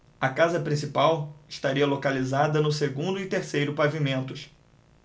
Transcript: a casa principal estaria localizada no segundo e terceiro pavimentos